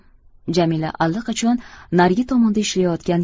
jamila allaqachon narigi tomonda ishlayotgan